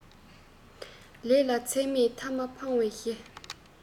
ལས ལ ཚོད མེད ཐ མ ཕང བའི གཞི